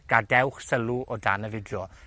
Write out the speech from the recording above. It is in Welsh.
gadewch sylw o dan y fideo.